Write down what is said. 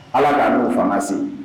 Allah k'an n'u fanga se.